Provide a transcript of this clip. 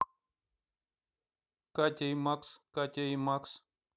катя и макс катя и макс